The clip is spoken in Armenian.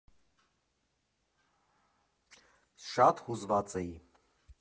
Շատ հուզված էի։